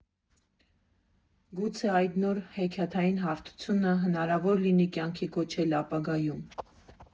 Գուցե այդ նոր, հեքիաթային հարթությունը հնարավոր լինի կյանքի կոչել ապագայում։